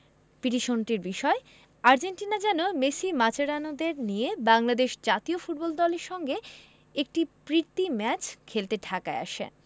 পিটিশনটির বিষয় আর্জেন্টিনা যেন মেসি মাচেরানোদের নিয়ে বাংলাদেশ জাতীয় ফুটবল দলের সঙ্গে একটা প্রীতি ম্যাচ খেলতে ঢাকায় আসে